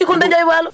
ii ko ndañɗaa e waalo